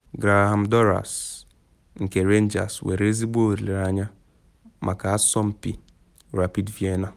Graham Dorrans nke Rangers nwere ezigbo olile anya maka asọmpi Rapid Vienna